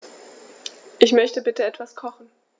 Ich möchte bitte etwas kochen.